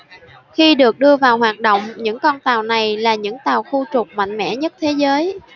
khi được đưa vào hoạt động những con tàu này là những tàu khu trục mạnh mẽ nhất thế giới